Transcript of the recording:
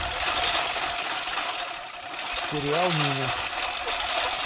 сериал нина